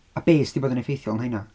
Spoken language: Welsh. A beth sydd 'di bod yn effeithiol am rheina?